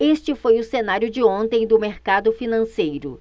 este foi o cenário de ontem do mercado financeiro